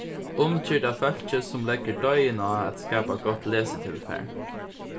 umgyrd av fólki sum leggur doyðin á at skapa gott lesitilfar